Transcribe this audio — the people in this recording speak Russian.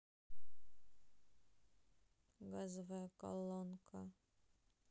газовая колонка